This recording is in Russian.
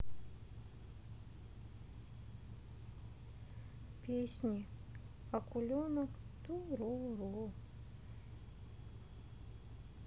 песенки акуленок ту ру ру